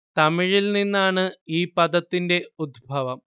തമിഴിൽ നിന്നാണ് ഈ പദത്തിന്റെ ഉദ്ഭവം